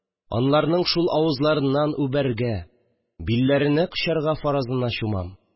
Анларның шул авызларыннан үбәргә, билләрене кочарга фарызына чумам